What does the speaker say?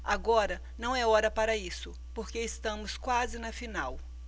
agora não é hora para isso porque estamos quase na final